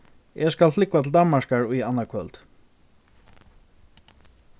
eg skal flúgva til danmarkar í annaðkvøld